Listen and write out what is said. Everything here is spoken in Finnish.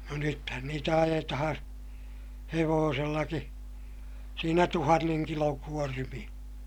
no nythän niitä ajetaan hevosellakin siinä tuhannen kilon kuormia